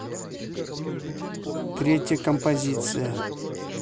третья композиция